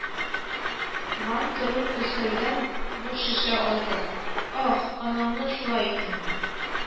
Ван, торып, өстәлдән буш шешә алды, «ах, анаңны шулай итим,